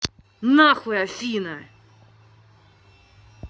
нахуй афина